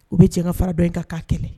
U bɛ cɛ ka fara dɔn in kan ka kɛlɛ